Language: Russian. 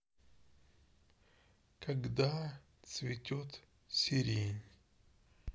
когда цветет сирень